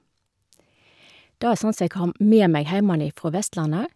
Det er sånn som jeg har med meg heimanifrå Vestlandet.